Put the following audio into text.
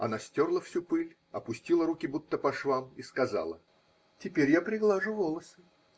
Она стерла всю пыль, опустила руки будто по швам и сказала: -- Теперь я приглажу волосы.